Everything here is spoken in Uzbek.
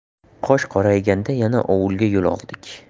qosh qorayganda yana ovulga yo'l oldik